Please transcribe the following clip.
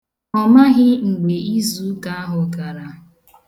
Ọ maghị mgbe izuụka ahụ gara.